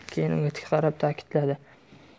keyin unga tik qarab ta'kidladi